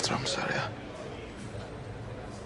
Matr amsar ia?